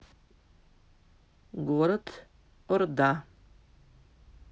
город орда